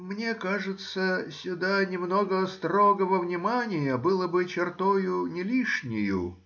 — Мне кажется, сюда немного строгого внимания было бы чертой нелишнею.